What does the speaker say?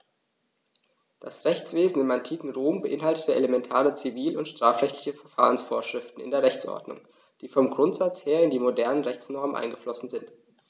Das Rechtswesen im antiken Rom beinhaltete elementare zivil- und strafrechtliche Verfahrensvorschriften in der Rechtsordnung, die vom Grundsatz her in die modernen Rechtsnormen eingeflossen sind.